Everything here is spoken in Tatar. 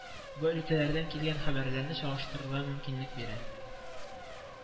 Бу өлкәләрдән килгән хәбәрләрне чагыштырырга мөмкинлек бирә